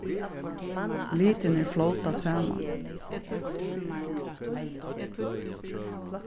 litirnir flóta saman